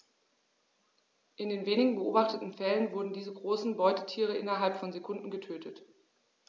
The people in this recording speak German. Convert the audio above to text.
In den wenigen beobachteten Fällen wurden diese großen Beutetiere innerhalb von Sekunden getötet.